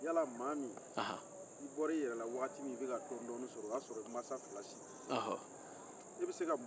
yala maa min bɔra a yɛrɛ la waati min o y'a sɔrɔ mansa fila si tɛ yen